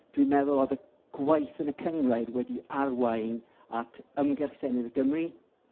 Dwi'n meddwl oedd y gwaith yn y cynghrair wedi arwain at ymgyrch Senedd i Gymru.